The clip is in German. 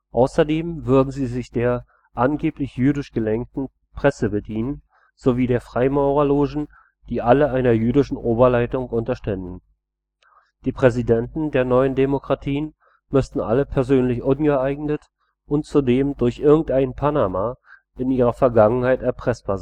Außerdem würden sie sich der – angeblich jüdisch gelenkten – Presse bedienen sowie der Freimaurerlogen, die alle einer jüdischen Oberleitung unterständen. Die Präsidenten der neuen Demokratien müssten alle persönlich ungeeignet und zudem durch „ irgend ein Panama “in ihrer Vergangenheit erpressbar